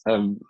yym